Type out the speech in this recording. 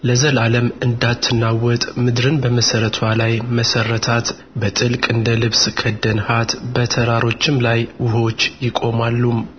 ለዘላለም እንዳትናወጥ ምድርን በመሠረትዋ ላይ መሠረታት በጥልቅ እንደ ልብስ ከደንሃት በተራሮችም ላይ ውኆች ይቆማሉ